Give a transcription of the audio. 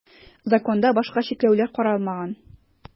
Законда башка чикләүләр каралмаган.